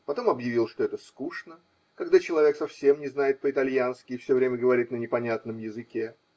потом объявил, что это скучно, когда человек совсем не знает по итальянски и все время говорит на непонятном языке